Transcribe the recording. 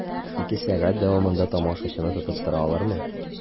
Ике сәгать дәвамында тамашачыны тотып тора алырмы?